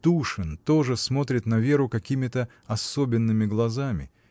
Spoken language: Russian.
Тушин тоже смотрит на Веру какими-то особенными глазами.